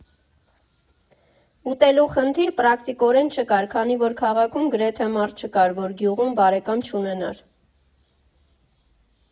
Ուտելու խնդիր պրակտիկորեն չկար, քանի որ քաղաքում գրեթե մարդ չկար, որ գյուղում բարեկամ չունենար։